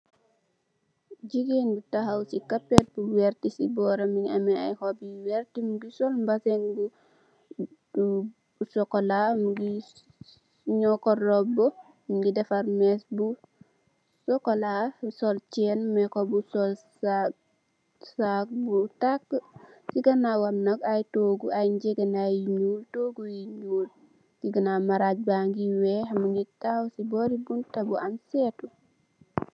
Jigéen bu taxaw si kappet bu werta, si bóoram(,...)mbu ngi sol mbuba mbessenge bu sokolaa, mu ngi ñookorlo bët, mu ngi defar mees bi, sokolaa, mu sol ceen,("make-up",)saac bu takkë, ganaawam nak, toogu, ñegenaay yu ñuul, toogu yi, si ganaaw maraaj baa ngi, weex, mu ngi taxaw si boori bunta bu am ceeb.